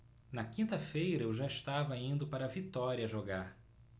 na quinta-feira eu já estava indo para vitória jogar